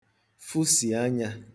fụsì anyā